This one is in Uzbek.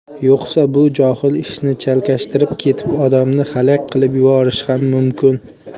yo'qsa bu johil ishni chalkashtirib ketib odamni halak qilib yuborishi ham mumkin